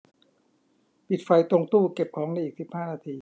ปิดไฟตรงตู้เก็บของในอีกสิบห้านาที